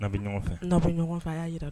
Bɛ ɲɔgɔn bɛ